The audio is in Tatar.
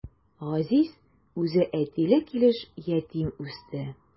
Газиз үзе әтиле килеш ятим үсте.